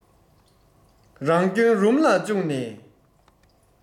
རང སྐྱོན རུམ ལ བཅུག ནས